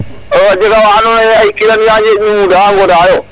a jega wa andoona yee kiran bo njeeƈ ne muda a ngodaayo.